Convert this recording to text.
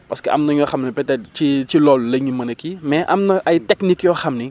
parce que am na ñoo xam ne peut être ci ci loolu la ñu mën a kii mais am na ay techniques yoo xam ni